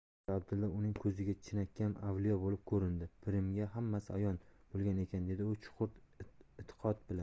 xo'ja abdulla uning ko'ziga chinakam avliyo bo'lib ko'rindi pirimga hammasi ayon bo'lgan ekan dedi u chuqur etiqod bilan